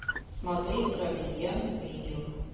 смотреть про обезьян видео